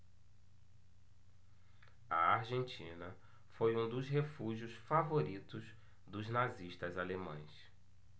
a argentina foi um dos refúgios favoritos dos nazistas alemães